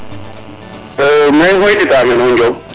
maxey xooy tita mane o NDiob